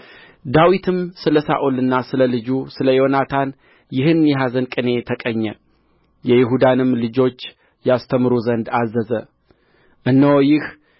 ዳዊትም ስለ ሳኦልና ሰለ ልጁ ስለ ዮናታን ይህን የኀዘን ቅኔ ተቀኘ የይሁዳንም ልጆች ያስተምሩ ዘንድ አዘዘ እነሆ ይህ